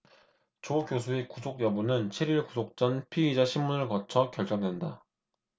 조 교수의 구속 여부는 칠 일 구속 전 피의자심문을 거쳐 결정된다